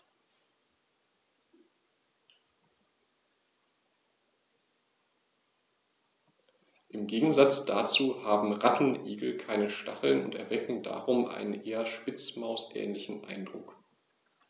Im Gegensatz dazu haben Rattenigel keine Stacheln und erwecken darum einen eher Spitzmaus-ähnlichen Eindruck.